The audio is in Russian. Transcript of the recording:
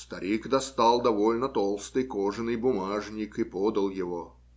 Старик достал довольно толстый кожаный бумажник и подал его.